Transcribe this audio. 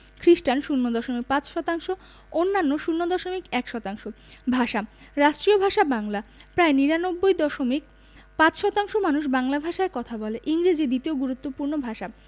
খ্রিস্টান ০দশমিক ৫ শতাংশ অন্যান্য ০দশমিক ১ শতাংশ ভাষাঃ রাষ্ট্রীয় ভাষা বাংলা প্রায় ৯৯দশমিক ৫শতাংশ মানুষ বাংলা ভাষায় কথা বলে ইংরেজি দ্বিতীয় গুরুত্বপূর্ণ ভাষা